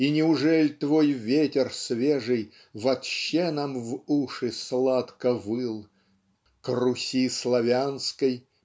И неужель твой ветер свежий Вотще нам в уши сладко выл К Руси славянской